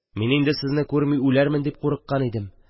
Мин инде сезне күрми үләрмен дип курыккан идем